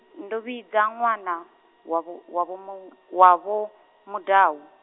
ndo vhidza ṅwana, wa vho, wa Vho Mu-, wa Vho Mudau.